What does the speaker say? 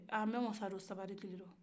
aaa n bɛ n wasadon sabali kili la